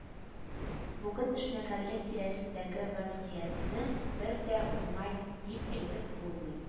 Бүген эшмәкәрлек тирәсендәге вәзгыятьне бер дә уңай дип әйтеп булмый